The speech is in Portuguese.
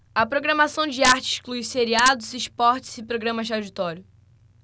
a programação da arte exclui seriados esportes e programas de auditório